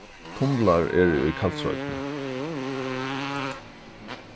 tunlar eru í kalsoynni